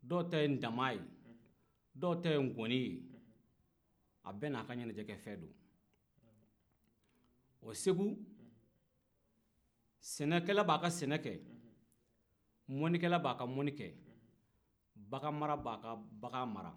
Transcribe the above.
dɔw ta ye tamani ye dɔw ta ye ngoni ye a bɛɛ n'a ka ɲɛnajɛ kɛ fɛn do wa segu sɛnɛkɛla b a ka sɛnɛkɛ mɔnikɛla b'a ka mɔni kɛ bagan marala b'a ka bagan mara